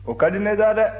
o ka di ne da dɛ